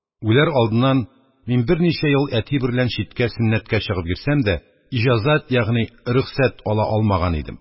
Үләр алдыннан мин берничә ел әти берлән читкә сөннәткә чыгып йөрсәм дә, иҗазәт, ягъни рөхсәт ала алмаган идем.